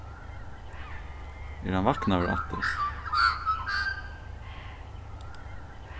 er hann vaknaður aftur